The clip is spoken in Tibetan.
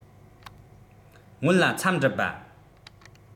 སྔོན ལ འཚམས འདྲི པ